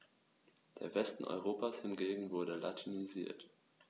Der Westen Europas hingegen wurde latinisiert.